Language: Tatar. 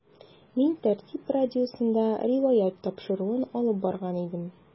“мин “тәртип” радиосында “риваять” тапшыруын алып барган идем.